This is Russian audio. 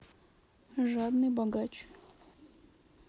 жадный богач